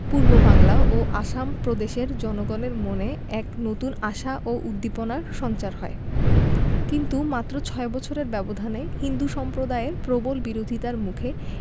পূর্ববাংলা ও আসাম প্রদেশের জনগণের মনে এক নতুন আশা ও উদ্দীপনার সঞ্চার হয় কিন্তু মাত্র ছয় বছরের ব্যবধানে হিন্দু সম্প্রদায়ের প্রবল বিরোধিতার মুখে